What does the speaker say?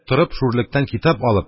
Торып, шүрлектән китап алып,